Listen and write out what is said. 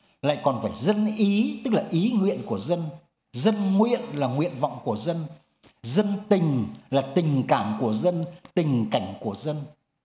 lại còn phải dân ý tức là ý nguyện của dân dân nguyện là nguyện vọng của dân dân tình là tình cảm của dân tình cảnh của dân